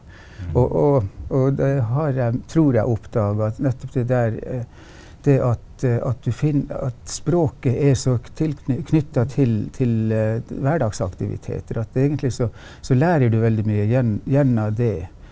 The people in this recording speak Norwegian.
og og og det har jeg tror jeg oppdaga at nettopp det der det at at du finner at språket er så knytta til til hverdagsaktiviteter at egentlig så så lærer du veldig mye gjennom det.